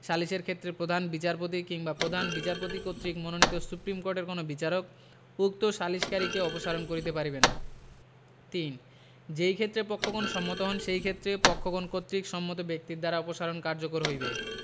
সালিসের ক্ষেত্রে প্রধান বিচারপতি কিংবা প্রধান বিচারপতি কর্তৃক মনোনীত সুপ্রীমকোর্টের কোন বিচারক উক্ত সালিসকারীকে অপসারণ করিতে পারিবেন ৩ যেই ক্ষেত্রে পক্ষগণ সম্মত হন সেই ক্ষেত্রে পক্ষগণ কর্তৃক সম্মত ব্যক্তির দ্বারা অপসারণ কার্যকর হইবে